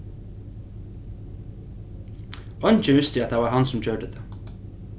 eingin visti at tað var hann sum gjørdi tað